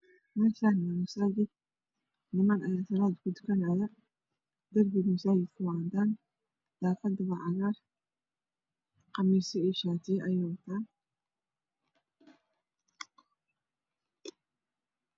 Meshani waa .asjid niman ayaa salad ku dukanaya derbiga masajidka waa cadan daqada waa cagar qamiisyo iyo dhatiyo ayeey watan